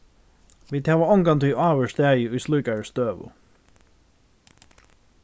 vit hava ongantíð áður staðið í slíkari støðu